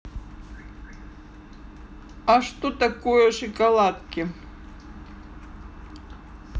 а что такое шоколадки